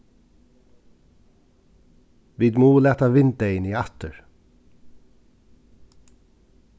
vit mugu lata vindeyguni aftur